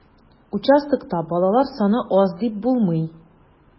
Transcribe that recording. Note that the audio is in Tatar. Участокта балалар саны аз дип булмый.